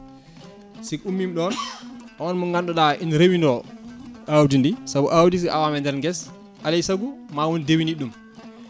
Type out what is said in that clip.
siiki ummima ɗon on mo ganduɗa ina rewido awdi ndi saabu awdi so awama e nder guesa alay saago ma woon dewiniɗo ɗum